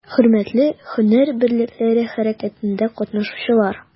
Хөрмәтле һөнәр берлекләре хәрәкәтендә катнашучылар!